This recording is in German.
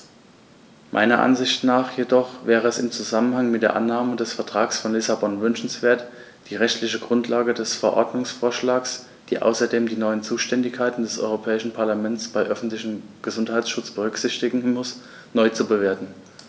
Meiner Ansicht nach jedoch wäre es im Zusammenhang mit der Annahme des Vertrags von Lissabon wünschenswert, die rechtliche Grundlage des Verordnungsvorschlags, die außerdem die neuen Zuständigkeiten des Europäischen Parlaments beim öffentlichen Gesundheitsschutz berücksichtigen muss, neu zu bewerten.